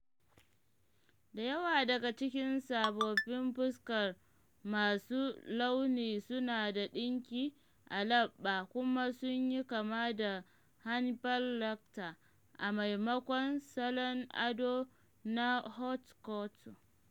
Da yawa daga cikin safofin fuskar masu launi suna da ɗinki a leɓɓa kuma sun yi kama da Hannibal Lecter a maimakon salon ado na haute couture.